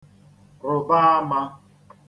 rụ̀ba āmā